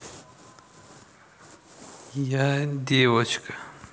я девочка